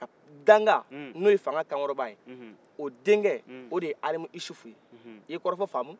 dangan n'o ye fangan kankɔrɔ baaye o denkɛ o de ye alimusufu ye i ye kɔrɔfɔ faamu